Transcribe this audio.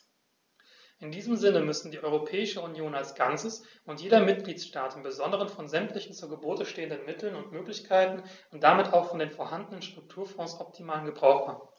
In diesem Sinne müssen die Europäische Union als Ganzes und jeder Mitgliedstaat im besonderen von sämtlichen zu Gebote stehenden Mitteln und Möglichkeiten und damit auch von den vorhandenen Strukturfonds optimalen Gebrauch machen.